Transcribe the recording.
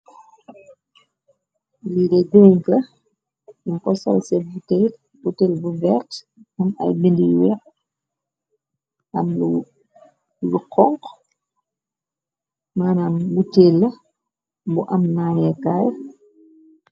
Li dè drink la nung ko sol ci butël bu vert am ay bindi weeh, am lu honku manam butël la bu am naanékaay.